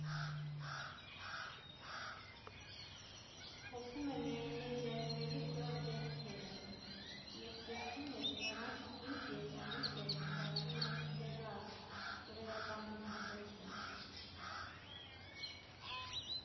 Սփոփում է միայն մեր ջահելների ուրախ դեմքերը, երբ տեսնում ես՝ նրանք ինչ երջանիկ են, մտածում ես՝դե լավ, կվերականգնենք, ոչինչ»։